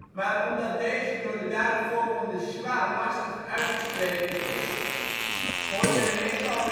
maar omdat deze door de daarop volgende sjwa lastig uit te spreken is, hoort men meestal